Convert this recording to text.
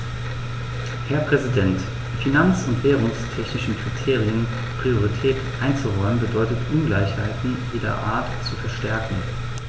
Herr Präsident, finanz- und währungstechnischen Kriterien Priorität einzuräumen, bedeutet Ungleichheiten jeder Art zu verstärken.